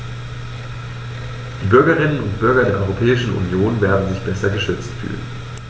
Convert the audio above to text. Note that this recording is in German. Die Bürgerinnen und Bürger der Europäischen Union werden sich besser geschützt fühlen.